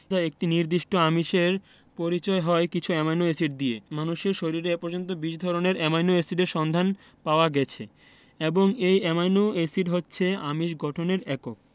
একটি নির্দিষ্ট আমিষের পরিচয় হয় কিছু অ্যামাইনো এসিড দিয়ে মানুষের শরীরে এ পর্যন্ত ২০ ধরনের অ্যামাইনো এসিডের সন্ধান পাওয়া গেছে এবং এই অ্যামাইনো এসিড হচ্ছে আমিষ গঠনের একক